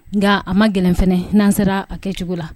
N'ŋa a ma gɛlɛn fana nan sera a kɛ cogo la.